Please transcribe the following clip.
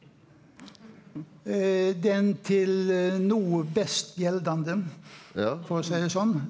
den til no best gjeldande for å seie det sånn.